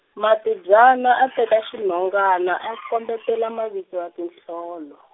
Matibyana a teka xinhongana a kombetela mavito ya tinhlolo.